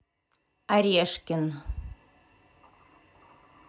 орешкин